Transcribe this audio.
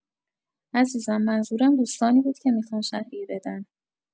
عزیز منظورم دوستانی بود که میخوان شهریه بدن.